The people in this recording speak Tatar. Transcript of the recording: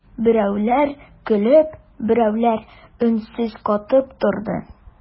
Берәүләр көлеп, берәүләр өнсез катып торды.